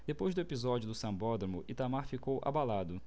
depois do episódio do sambódromo itamar franco ficou abalado